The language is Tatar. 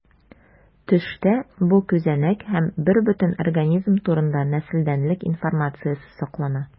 Төштә бу күзәнәк һәм бербөтен организм турында нәселдәнлек информациясе саклана.